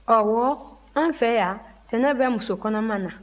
ɔwɔ an fɛ yan tɛnɛ bɛ muso kɔnɔma na